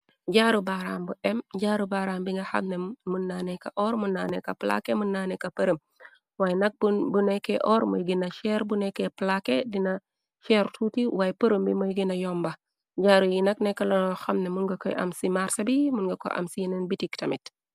Jaaru baaraam bu em jaaru baaraam bi nga xamnen muna neka oor muna neka plaake muna neka përëm waay nak bu nekke oor muy gina ceer bu nekke plaake dina ceer tuuti waay përëm bi moy gina yomba jaaru yi nak neka na lo xamne mun nga koy am ci marcxe bi mun nga ko am ci yeneen bitik tamit.